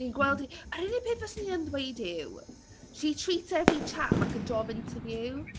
Fi'n gweld hi... mm ... yr unig peth fyswn i yn ddweud yw she treats every chat like a job interview.